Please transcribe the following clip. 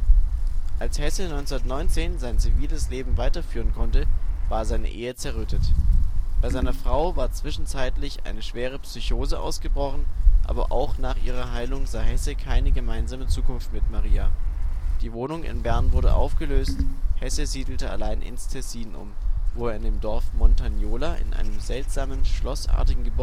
Als Hesse 1919 sein ziviles Leben weiterführen konnte, war seine Ehe zerrüttet. Bei seiner Frau war zwischenzeitlich eine schwere Psychose ausgebrochen, aber auch nach ihrer Heilung sah Hesse keine gemeinsame Zukunft mit Maria. Die Wohnung in Bern wurde aufgelöst, Hesse siedelte allein ins Tessin um, wo er in dem Dorf Montagnola in einem seltsamen schlossartigen